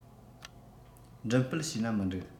འགྲེམས སྤེལ བྱས ན མི འགྲིག